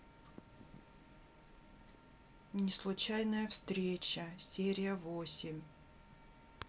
неслучайная встреча серия восемь